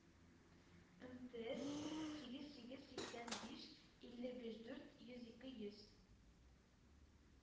Мтыэс сигез сигез сиксән биш илле биш дүрт йөз ике йөз